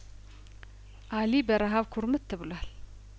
አሊ በረሀብ ኩርምት ብሏል